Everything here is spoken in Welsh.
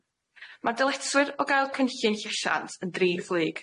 Ma'r dyletswyr o gael cynllun llesiant yn dri phlyg.